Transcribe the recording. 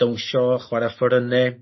downsio chwara offoryne